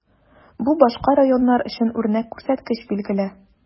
Бу башка районнар өчен үрнәк күрсәткеч, билгеле.